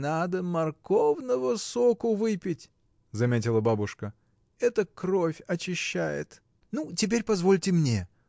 — Надо морковного соку выпить, — заметила бабушка, — это кровь очищает. — Ну, теперь позвольте мне.